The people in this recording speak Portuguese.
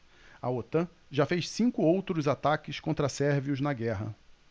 a otan já fez cinco outros ataques contra sérvios na guerra